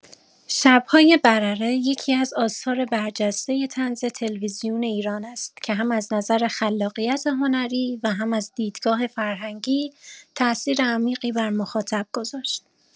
شب‌های برره یکی‌از آثار برجسته طنز تلویزیون ایران است که هم از نظر خلاقیت هنری و هم از دیدگاه فرهنگی تاثیر عمیقی بر مخاطب گذاشت.